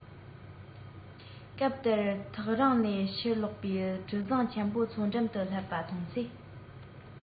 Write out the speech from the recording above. སྐབས དེར ཐག རིང ནས ཕྱིར ལོག པའི གྲུ གཟིངས ཆེན པོ མཚོ འགྲམ དུ སླེབས པ མཐོང ཚེ